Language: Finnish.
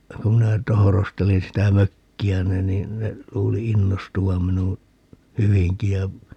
kun minä tohrostelin sitä mökkiäni niin ne luuli innostuvan minun hyvinkin ja